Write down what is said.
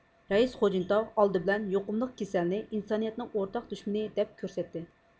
رەئىس خۇجىنتاۋ ئالدى بىلەن يۇقۇملۇق كېسەلنى ئىنسانىيەتنىڭ ئورتاق دۈشمىنى دەپ كۆرسەتتى